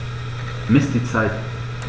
Miss die Zeit.